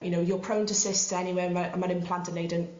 you know you're prone to cysct anyway a ma' a ma'r implant yn neud yn